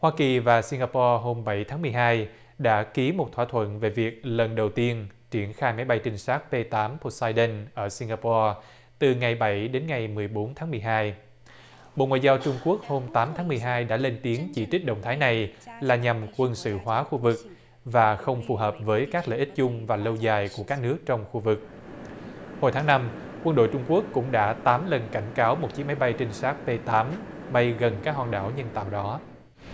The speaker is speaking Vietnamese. hoa kỳ và sinh ga po hôm bảy tháng mười hai đã ký một thỏa thuận về việc lần đầu tiên triển khai máy bay trinh sát pê tám của sai đân ở sinh ga po từ ngày bảy đến ngày mười bốn tháng mười hai bộ ngoại giao trung quốc hôm tám tháng mười hai đã lên tiếng chỉ trích động thái này là nhằm quân sự hóa khu vực và không phù hợp với các lợi ích chung và lâu dài của các nước trong khu vực hồi tháng năm quân đội trung quốc cũng đã tám lần cảnh cáo một chiếc máy bay trinh sát vê tám bay gần các hòn đảo nhân tạo đó